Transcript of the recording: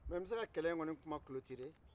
mɛ n be se ka kɛlɛ in kɔni kuma cloturer